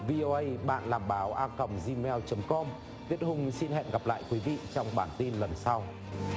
vi o uây bạn làm báo a còng di meo chấm com việt hùng xin hẹn gặp lại quý vị trong bản tin lần sau